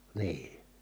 niin